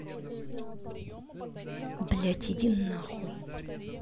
блядь иди нахуй